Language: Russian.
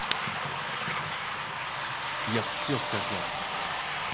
я все сказал